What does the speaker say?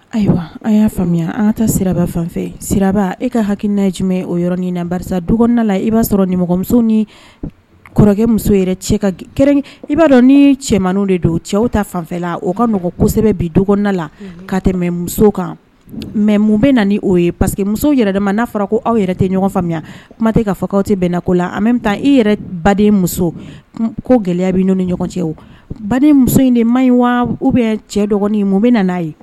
Ayiwa an y'a faamuya an ta siraba fanfɛ siraba e ka ha n'a jum o yɔrɔ nin na dɔgɔn la i b'a sɔrɔmɔgɔmuso ni kɔrɔkɛ muso yɛrɛ cɛ ka kɛrɛn i b'a dɔn ni cɛmannin de don cɛw ta fanla o kaɔgɔn kosɛbɛ bi dɔgɔn la ka tɛmɛ muso kan mɛ mun bɛ na o ye pa que muso yɛrɛ de ma n'a fɔra ko aw yɛrɛ tɛ ɲɔgɔn faamuya kuma tɛ ka fa tɛ bɛnnako la an bɛ bɛ taa i yɛrɛ baden muso ko gɛlɛya bɛ n'o ni ɲɔgɔn cɛ o baden muso in de ma ɲi wa u bɛ cɛ dɔgɔn mun bɛ na n'a ye